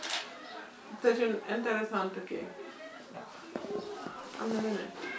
c' est une interessante kii am na leneen